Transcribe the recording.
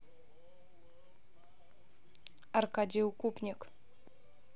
аркадий укупник